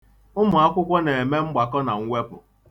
Ụmụakwụkwọ na-amụ mgbakọnamwepụ.